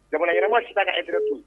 Jamana ɲɛɲɛma si t'a ka interet to ye